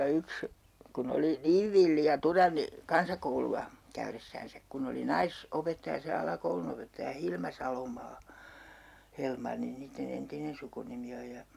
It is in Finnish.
yksi kun oli niin villi ja tyranni kansakoulua käydessään kun oli - naisopettaja se alakoulunopettaja Hilma Salomaa Helmanni niiden entinen sukunimi on ja